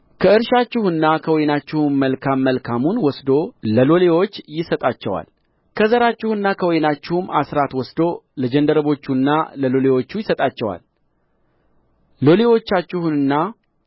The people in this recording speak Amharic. ከእርሻችሁና ከወይናችሁም መልካም መልካሙን ወስዶ ለሎሌዎቹ ይሰጣቸዋል ከዘራችሁና ከወይናችሁም አሥራት ወስዶ ለጃንደረቦቹና ለሎሌዎቹ ይሰጣቸዋል